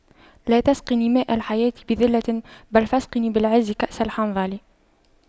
لا تسقني ماء الحياة بذلة بل فاسقني بالعز كأس الحنظل